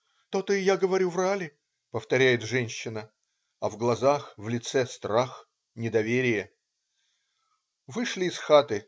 "То-то и я говорю, врали",- повторяет женщина, а в глазах, в лице - страх, недоверие. Вышли из хаты.